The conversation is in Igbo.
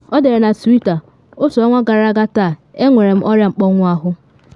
Ọ dere na Twitter: “Otu ọnwa gara aga taa enwere m ọrịa mkpọnwụ ahụ.